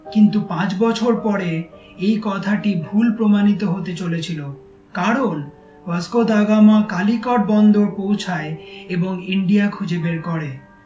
কিন্তু পাঁচ বছর পরে এই কথাটি ভুল প্রমাণিত হতে চলেছিল কারণ ভাস্কো দা গামা কালিকট বন্দর পৌঁছায় এবং ইন্ডিয়া খুঁজে বের করে